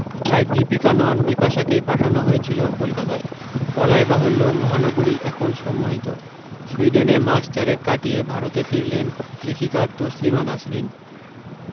তাই দীপিকা নন বিপাশাকেই পাঠানো হয়েছিলো কলকাতায় বলাই বাহুল্য মহানগরী এখন সম্মোহিত সুইডেনে মাস চারেক কাটিয়ে ভারতে ফিরলেন লেখিকা তসলিমা নাসরিন